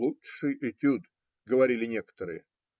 Лучший этюд, - говорили некоторые.